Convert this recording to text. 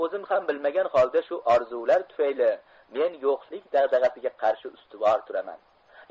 o'zim ham bilmagan holda shu orzular tufayli men yo'qlik dag'dag'asiga qarshi ustivor turaman